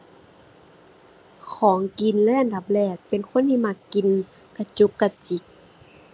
ของกินเลยอันดับแรก เป็นคนที่มักกินกระจุกกระจิก